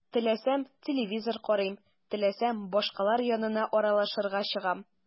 Теләсәм – телевизор карыйм, теләсәм – башкалар янына аралашырга чыгам.